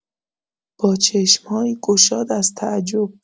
با چشم‌هایی گشاد از تعجب